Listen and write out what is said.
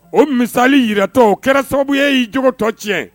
O misali yɛrɛtɔ o kɛra sababu ye y'i cogo tɔ tiɲɛ